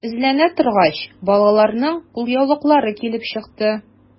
Эзләнә торгач, балаларның кулъяулыклары килеп чыкты.